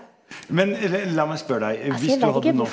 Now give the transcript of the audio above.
men la meg spørre deg, hvis du hadde nå?